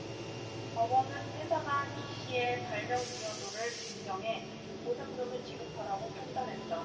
법원은 회사가 이씨의 발명 기여도를 인정해 보상금을 지급하라고 판단했다